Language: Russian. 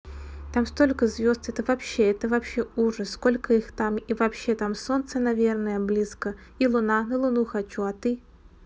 там столько звезд это вообще это вообще ужас сколько их там и вообще там солнце наверное близко и луна на луну хочу а ты